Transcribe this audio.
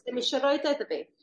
...ddim isio roid o iddo fi.